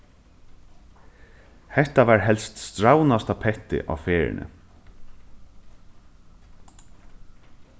hetta var helst strævnasta pettið á ferðini